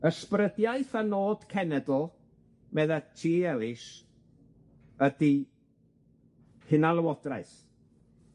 Ysbrydiaeth a nod cenedl, medda Tee, Elis, ydi hunanlywodraeth,